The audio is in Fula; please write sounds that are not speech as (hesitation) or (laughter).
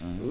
(hesitation) (hesitation)